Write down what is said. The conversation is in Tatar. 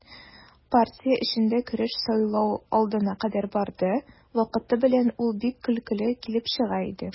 Партия эчендә көрәш сайлау алдына кадәр барды, вакыты белән ул бик көлкеле килеп чыга иде.